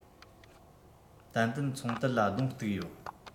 ཏན ཏན ཚོང དུད ལ གདོང གཏུག ཡོད